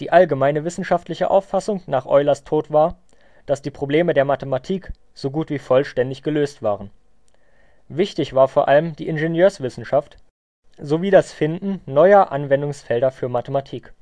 allgemeine wissenschaftliche Auffassung nach Eulers Tod war, dass die Probleme der Mathematik so gut wie vollständig gelöst waren. Wichtig war vor allem die Ingenieurswissenschaft sowie das Finden neuer Anwendungsfelder für Mathematik